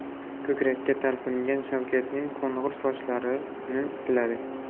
ko'krakka talpingan shavkatning qo'ng'ir sochlarini siladi